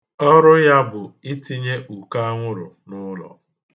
Ọrụ ya bụ itinye ukoanwụrụ n'ụlọ.